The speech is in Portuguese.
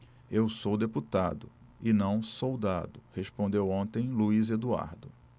eu sou deputado e não soldado respondeu ontem luís eduardo